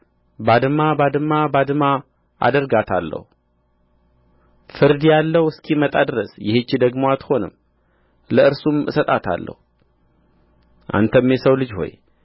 ባድማ ባድማ ባድማ አደርጋታለሁ ፍርድ ያለው እስኪመጣ ድረስ ይህች ደግሞ አትሆንም ለእርሱም እሰጣታለሁ አንተም የሰው ልጅ ሆይ